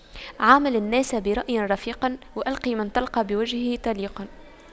عامل الناس برأي رفيق والق من تلقى بوجه طليق